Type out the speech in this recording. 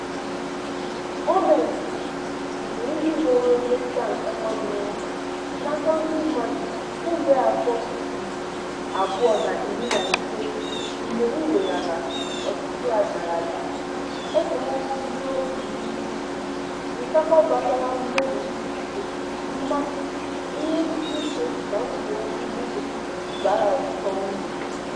Gọọmentị Burundi na-enwe mmetụta nkatọ dị ukwuu n'aka ndị mmadụ kemgbe afọ 2015, mgbe mweghara ọchịchị ha dara ada, esemokwu ndị òtù nnupụisi, nkatọ gbasara mmegbu ikike, mmachi, ihe isiike na nsogbu ndị gbara ọsọ ndụ.